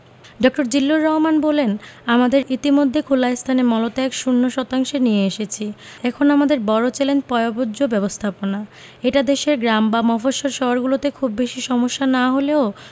ড. জিল্লুর রহমান বলেন আমাদের ইতিমধ্যে খোলা স্থানে মলত্যাগ শূন্য শতাংশে নিয়ে এসেছি এখন আমাদের বড় চ্যালেঞ্জ পয়ঃবর্জ্য ব্যবস্থাপনা এটা দেশের গ্রাম বা মফস্বল শহরগুলোতে খুব বেশি সমস্যা না হলেও